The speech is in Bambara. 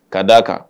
Ka d' a kan